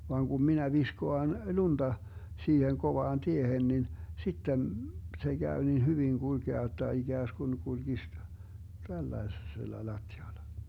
vaan kun minä viskaan lunta siihen kovaan tiehen niin sitten se käy niin hyvin kulkea jotta ikään kuin kulkisi tällaisella lattialla